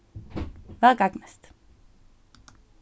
væl gagnist